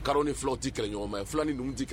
Kalo ni fulaw tɛ kɛlɛ ɲɔgɔn ye fula ni ninnu tɛ